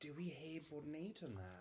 Dyw hi heb fod wneud hwnna.